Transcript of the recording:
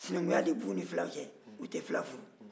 sinankounya de b'u ni fila cɛ u tɛ fila furu